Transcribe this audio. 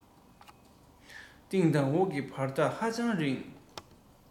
སྟེང དང འོག གི བར ཐག ཧ ཅང རིང